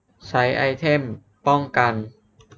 ใช้ไอเทมป้องกัน